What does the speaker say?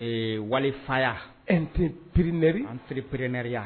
Ee walifaya np pp-ɛre anp pp-ɛreya